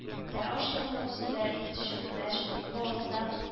Ә ашъяулык өстендә төче күмәч, бавырсак